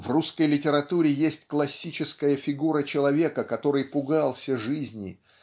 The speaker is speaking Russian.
В русской литературе есть классическая фигура человека который путался жизни